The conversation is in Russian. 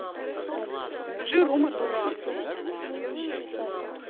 скажи рома дурак